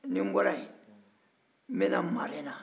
ni n bɔra ye n bɛ na marena